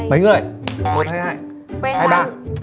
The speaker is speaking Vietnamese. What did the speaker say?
mấy người một hay hai hay ba